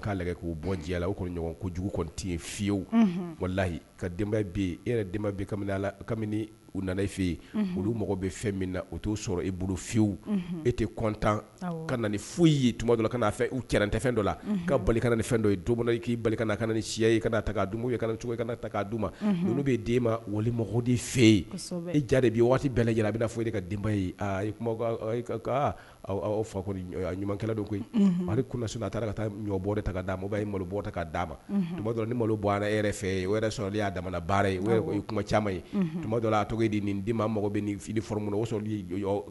Olu e ka wali fɛ de waati bɛɛ a i bɛna fɔ ka denba ye fako ɲuman don koyiriso a taara ka taa ɲɔ bɔ ta'a ma' bɔ' d'a ma ni malo bɔ yɛrɛ fɛ sɔrɔ'a baara ye caman a tɔgɔ ye